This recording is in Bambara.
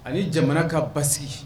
Ani jamana ka basiki